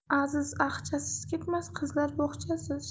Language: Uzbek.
aziz aqchasiz ketmas qizlar bo'g'chasiz